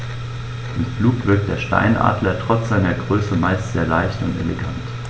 Im Flug wirkt der Steinadler trotz seiner Größe meist sehr leicht und elegant.